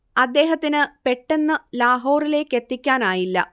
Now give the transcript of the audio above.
അദ്ദേഹത്തിന് പെട്ടെന്ന് ലാഹോറിലേക്കെത്തിക്കാനായില്ല